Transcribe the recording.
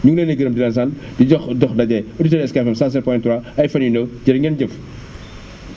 ñu ngi leen di gërëm di leen sant di jox dox daje auditeurs SK FM 107.3 ay fan yu néew jërë ngeen jëf